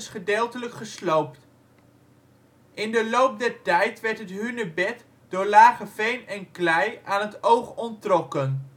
gedeeltelijk gesloopt. In de loop der tijd werd het hunebed door lagen veen en klei aan het oog onttrokken